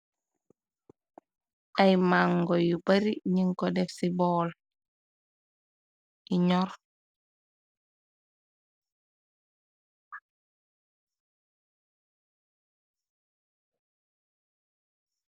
Ay mango yu pari ninko def ci bool yi ñor.